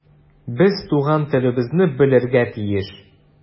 Без туган телебезне белергә тиеш.